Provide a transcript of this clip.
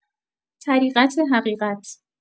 طریقت حقیقت